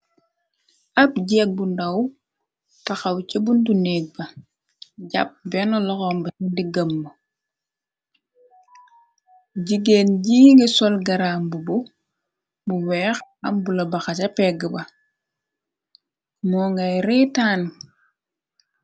Ab jeeg bu ndaw taxaw ce bunduneeg ba jàpp benn loxomba si ndiggam ma jigéen ji ngi sol garamb bu bu weex ambula baxa ca pegg ba moo ngay reytaan.